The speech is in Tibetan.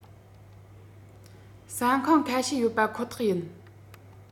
ཟ ཁང ཁ ཤས ཡོད པ ཁོ ཐག ཡིན